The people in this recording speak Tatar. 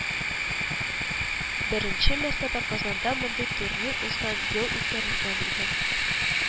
Беренче мәртәбә Казанда мондый турнир узган ел үткәрелгән иде